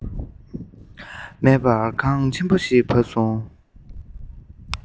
མེད པར གངས ཆེན པོ ཞིག བབས སོང